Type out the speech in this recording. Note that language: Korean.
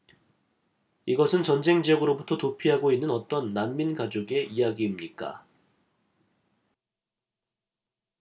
이것은 전쟁 지역으로부터 도피하고 있는 어떤 난민 가족의 이야기입니까